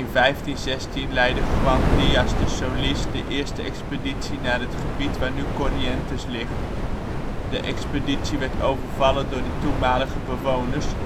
In 1516 leidde Juan Díaz de Solís de eerste expeditie naar het gebied waar nu Corrientes ligt. De expeditie werd overvallen door de toenmalige bewoners